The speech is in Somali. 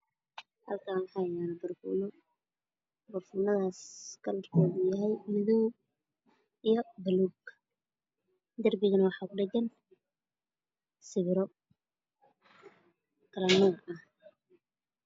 Halkaan waxaa yaalo baraafuuno madow iyo buluug, darbiga waxaa kudhagan sawiro kale nuuc ah.